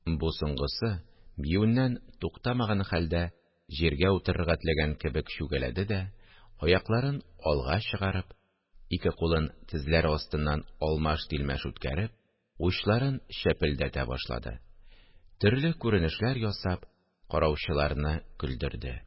Бу соңгысы, биюеннән туктамаган хәлдә, җиргә утырырга теләгән кебек чүгәләде дә, аякларын алга чыгарып, ике кулын тезләре астыннан алмаш-тилмәш үткәреп, учларын чәпелдәтә башлады, төрле күренешләр ясап, караучыларны көлдерде